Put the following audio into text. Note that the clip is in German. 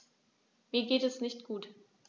Mir geht es nicht gut.